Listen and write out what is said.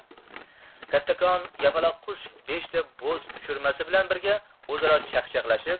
kattakon yapaloqqush beshta bo'z uchirmasi bilan birga o'zaro chaqchaqlashib